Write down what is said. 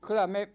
kyllä me